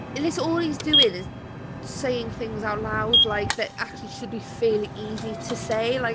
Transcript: It's all he's doing is, saying things out loud, like, that actually should be fairly easy to say, like...